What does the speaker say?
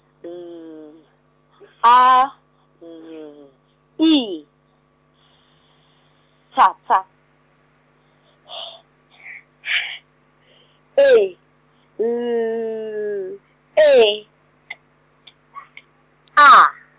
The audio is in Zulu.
M A Z E A L E A.